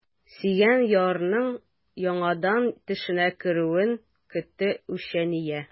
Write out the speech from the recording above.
Сөйгән ярының яңадан төшенә керүен көтте үчәния.